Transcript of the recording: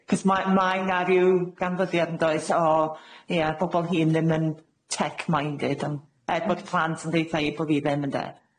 Cos ma' mae' 'na ryw ganfyddiad, yn does? O ia bobol hŷn ddim yn tech-minded. On- er bod plant yn deutha i bo' fi ddim, ynde.